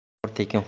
poraxo'r tekinxo'r